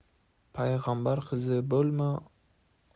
payg'ambar qizi bo'lma